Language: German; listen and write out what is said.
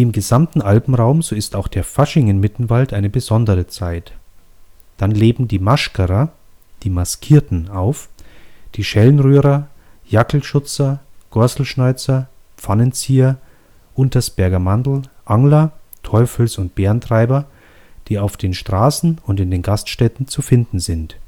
gesamten Alpenraum, so ist auch der Fasching in Mittenwald eine besondere Zeit. Dann leben die „ Maschkara “(die Maskierten) auf, die Schellenrührer, Jackelschutzer, Goaslschnoizer, Pfannenzieher, Untersberger Mandl, Angler, Teufels - und Bärentreiber, die auf den Straßen und in den Gaststätten zu finden sind